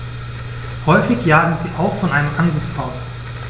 Häufig jagen sie auch von einem Ansitz aus.